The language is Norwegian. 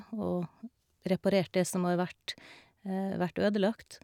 Og reparert det som har vært vært ødelagt.